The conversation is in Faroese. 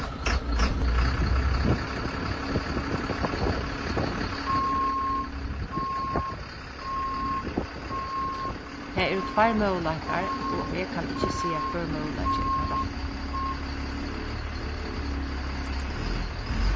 tað eru tveir møguleikar og eg kann ikki siga hvør møguleiki er tann rætti